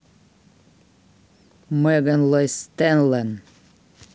megan lee стеллан